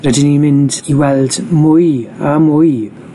rydyn ni'n mynd i weld mwy a mwy